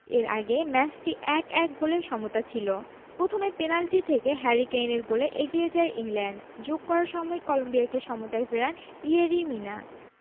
এর আগে ম্যাচটি ১ ১ গোলে সমতা ছিল প্রথমে পেনাল্টি থেকে হ্যারি কেইনের গোলে এগিয়ে যায় ইংল্যান্ড যোগ করা সময়ে কলম্বিয়াকে সমতায় ফেরান ইয়েরি মিনা